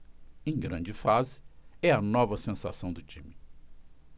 em grande fase é a nova sensação do time